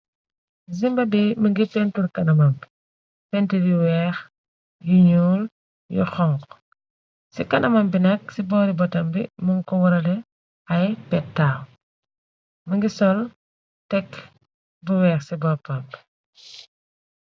Zimba be më ngi pentur kanamam bi pentir yu weex yu ñyuul yu xonku ci kanamam bi nakk ci boori botam bi mën ko warale ay pettaw mi ngi sol tekk bu weex ci boppam bi.